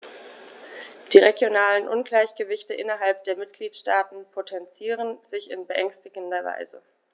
Die regionalen Ungleichgewichte innerhalb der Mitgliedstaaten potenzieren sich in beängstigender Weise.